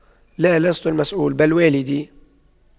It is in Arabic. لا لست المسؤول بل والدي